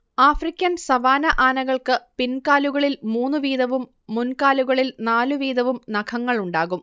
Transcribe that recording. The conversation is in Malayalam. ആഫ്രിക്കൻ സവാന ആനകൾക്ക് പിൻകാലുകളിൽ മൂന്നു വീതവും മുൻകാലുകളിൽ നാലു വീതവും നഖങ്ങൾ ഉണ്ടാകും